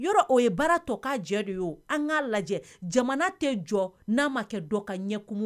Yɔrɔ o ye baara tɔ k'a jɛ de ye an kaa lajɛ jamana tɛ jɔ n'a ma kɛ dɔ ka ɲɛkun